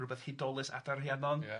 rywbeth hudolus Adar Rhiannon. Ia.